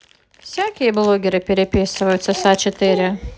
всякие блогеры переписываются с а четыре